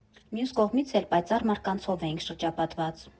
Մյուս կողմից էլ՝ պայծառ մարդկանցով էինք շրջապատված։